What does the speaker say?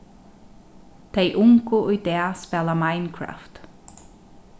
tey ungu í dag spæla minecraft